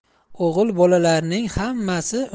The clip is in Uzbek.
o'g'il bolalarning hammasi